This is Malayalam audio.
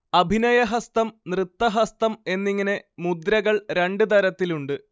അഭിനയഹസ്തം, നൃത്തഹസ്തം എന്നിങ്ങനെ മുദ്രകൾ രണ്ട് തരത്തിലുണ്ട്